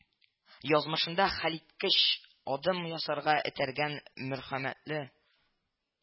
Язмышында хәлиткеч адым ясарга этәргән мөрхәмәтле